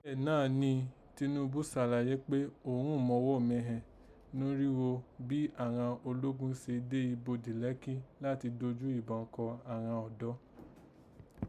Bẹ́ẹ̀ náà ni Tinúbu sàlàyé kpé òghun mọ̀ghọ́ mẹhẹ̀n norígho bí àghan ológun se dè ibodè Lẹ́kkí láti dojú ìban kọ àghan ọ̀dọ́